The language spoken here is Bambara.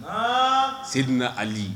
Aa seyiduina ali